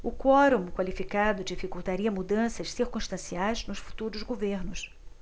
o quorum qualificado dificultaria mudanças circunstanciais nos futuros governos